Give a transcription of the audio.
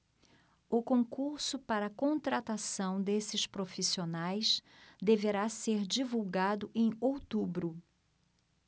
o concurso para contratação desses profissionais deverá ser divulgado em outubro